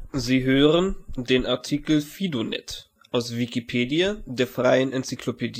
Sie hören den Artikel FidoNet, aus Wikipedia, der freien Enzyklopädie